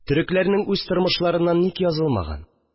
Төрекләрнең үз тормышларыннан ник язылмаган